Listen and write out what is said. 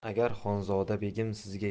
agar xonzoda begim sizga